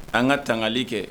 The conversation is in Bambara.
An ŋa taŋali kɛ